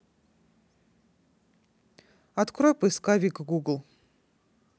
открой поисковик google